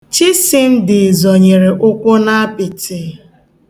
Chisịmdị zọnyere ụkwụ n'apịtị.